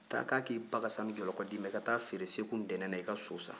taa ko a k'i ba ka sanu jɔlɔkɔ di i ka taa feere segu ntɛnɛn na i ka taa so san